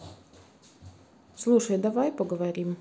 слушай давай поговорим